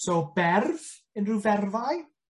So berf, unrhyw ferfau?